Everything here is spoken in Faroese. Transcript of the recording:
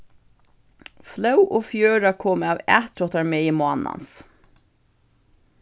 flóð og fjøra koma av atdráttarmegi mánans